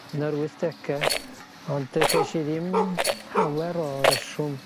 yn yr wythdege. Ond yy chesh i ddim llawer o reswm.